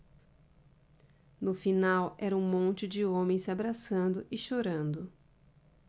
no final era um monte de homens se abraçando e chorando